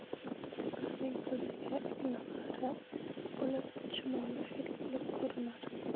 buiganing ko'ziga igna xari bo'lib chumoli fil bo'lib ko'rinar